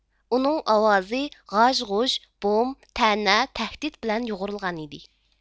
ئۇنىڭ ئاۋازى غاژ غۇژ بوم تەنە تەھدىت بىلەن يۇغۇرۇلغانىدى